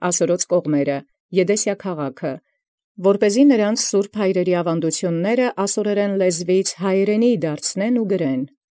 Յասորական բարբառոյն՝ զնոցին հարցն սրբոց զաւանդութիւնս հայերէն գրեալս դարձուսցեն։